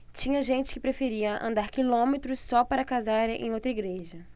tinha gente que preferia andar quilômetros só para casar em outra igreja